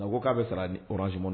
A ko k'a bɛ sara ni orange money